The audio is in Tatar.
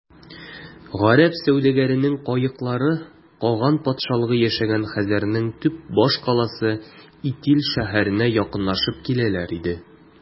Гарәп сәүдәгәренең каеклары каган патшалыгы яшәгән хәзәрнең төп башкаласы Итил шәһәренә якынлашып киләләр иде.